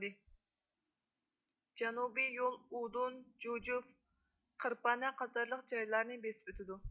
جەنۇبىي يول ئۇدۇن جۇجۇف قىرپانە قاتارلىق جايلارنى بېسىپ ئۆتىدۇ